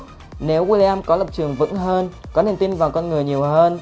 nếu willian có lập trường vững hơn có niềm tin vào con người nhiều hơn